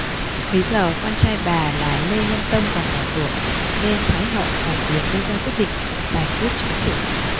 bấy giờ con trai bà là lê nhân tông còn nhỏ tuổi nên thái hậu toàn quyền đưa ra quyết định giải quyết chính sự